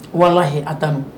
Walahi a'